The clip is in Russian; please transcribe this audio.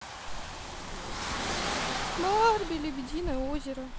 барби лебединое озеро